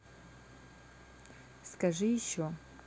скажи еще